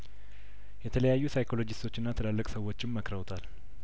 የተለያዩ ሳይኮሎጂስቶችና ትላልቅ ሰዎችም መክረውታል